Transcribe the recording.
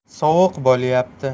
sovuq bo'layapti